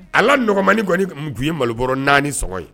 A lanɔgɔmani kɔnni kun tun ye malo bɔrɔ 4 sɔngɔ ye